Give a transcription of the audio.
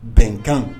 Bɛnkan